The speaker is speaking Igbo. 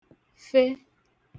fe